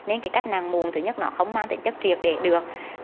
nên cái cách nặn mụn thứ nhất nó không mang tính chất triệt để được